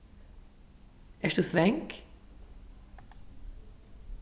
ert tú svang